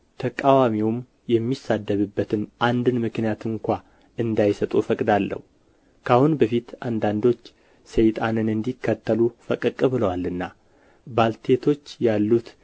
ተቃዋሚውም የሚሳደብበትን አንድን ምክንያት ስንኳ እንዳይሰጡ እፈቅዳለሁ ከአሁን በፊት አንዳንዶች ሰይጣንን እንዲከተሉ ፈቀቅ ብለዋልና ባልቴቶች ያሉት